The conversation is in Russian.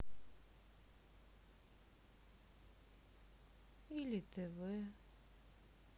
или тв